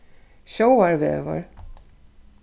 sjóvarvegur